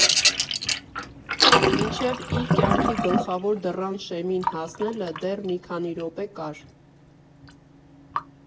Մինչև իր կյանքի գլխավոր դռան շեմին հասնելը դեռ մի քանի րոպե կար։